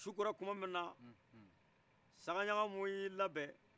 su kola tuma min na sagaɲagamu ye i labɛn